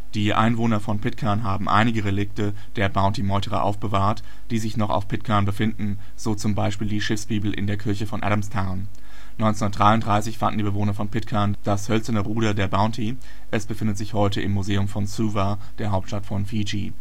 Die Einwohner von Pitcairn haben einige Relikte der Bounty-Meuterer aufbewahrt, die sich noch auf Pitcairn befinden, so zum Beispiel die Schiffs-Bibel in der Kirche von Adamstown. 1933 fanden die Bewohner von Pitcairn das hölzerne Ruder der Bounty, es befindet heute im Museum von Suva, der Hauptstadt von Fidschi